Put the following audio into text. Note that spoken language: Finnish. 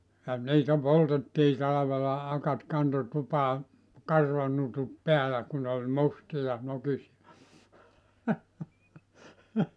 ja niitä poltettiin talvella akat kantoi tupaan karvanutut päällä kun ne oli mustia nokisia